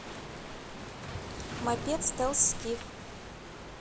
мопед stels skif